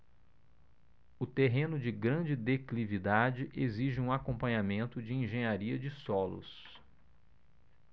o terreno de grande declividade exige um acompanhamento de engenharia de solos